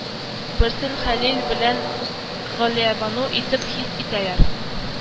Берсен хәлил белән галиябану итеп хис итәләр